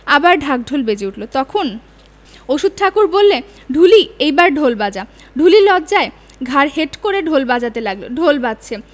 আবার ঢাক ঢোল বেজে উঠল তখন অশ্বথ ঠাকুর বললে ঢুলি এইবার ঢোল বাজা ঢুলি লজ্জায় ঘাড় হেট করে ঢোল বাজাতে লাগল ঢোল বাজছে